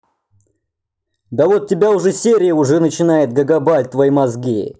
да вот тебя уже серия уже начинает гагабайт твои мозги